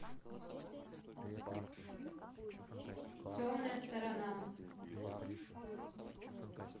темная сторона